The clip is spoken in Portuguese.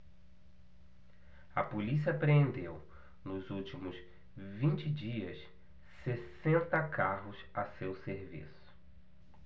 a polícia apreendeu nos últimos vinte dias sessenta carros a seu serviço